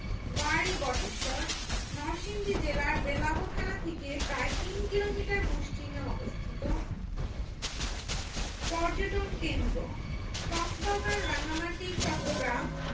ওয়ারী বটেশ্বর নরসিংদী জেলার বেলাব থানা থেকে প্রায় তিন কিলোমিটার পশ্চিমে অবস্থিত পর্যটন কেন্দ্রঃ কক্সবাজার রাঙ্গামাটি চট্টগ্রাম